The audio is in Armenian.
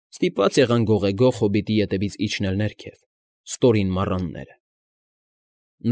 Ստիպված եղան գողեգող հոբիտի ետևից իջնել ներքև, ստորին մառանները։